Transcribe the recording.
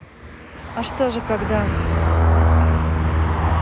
а что же когда